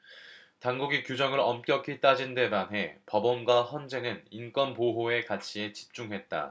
당국이 규정을 엄격히 따진 데 반해 법원과 헌재는 인권보호의 가치에 집중했다